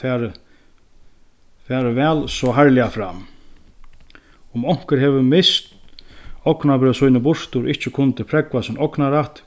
farið farið væl so harðliga fram um onkur hevur mist ognarbrøv síni burtur og ikki kundi prógva sín ognarrætt